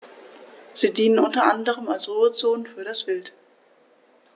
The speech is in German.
Sie dienen unter anderem als Ruhezonen für das Wild.